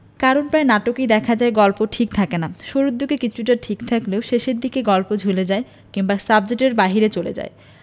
কারণ প্রায় নাটকেই দেখা যায় গল্প ঠিক থাকে না শুরুর দিকে কিছুটা ঠিক থাকলেও শেষের দিকে গল্প ঝুলে যায় কিংবা সাবজেক্টের বাইরে চলে যায়